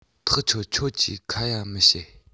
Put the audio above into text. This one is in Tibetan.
ཐག ཆོད ཁྱོད ཀྱིས ཁ ཡ མི བྱེད